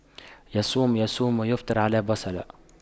يصوم يصوم ويفطر على بصلة